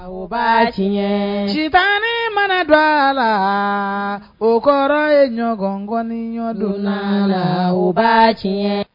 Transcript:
O b'a tiyɛn sitanɛ mana do a la o kɔrɔ ye ɲɔgɔn kɔniya don n'ala o b'a tiyɛn.